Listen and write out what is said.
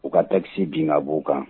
U ka taxe bin ŋa b'u kan